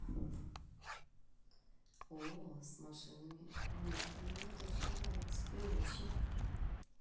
ооо с машинами умишками мне точно нравится приочень